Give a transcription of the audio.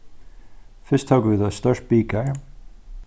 fyrst tóku vit eitt stórt bikar